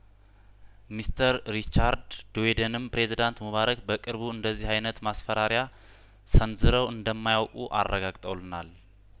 ሚስተር ሪቻርድ ዶዌደንም ፕሬዚዳንት ሙባረክ በቅርቡ እንደዚህ አይነት ማስፈራሪያ ሰንዝረው እንደማያውቁ አረጋግጠውልናል